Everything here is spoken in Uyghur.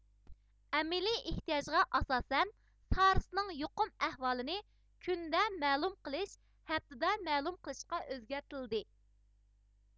ئەمەلىي ئېھتىياجغا ئاساسەن سارسنىڭ يۇقۇم ئەھۋالىنى كۈندە مەلۇم قىلىش ھەپتىدە مەلۇم قىلىشقا ئۆزگەرتىلدى